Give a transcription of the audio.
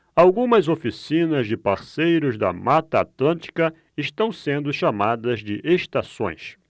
algumas oficinas de parceiros da mata atlântica estão sendo chamadas de estações